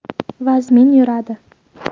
vazmin yuradi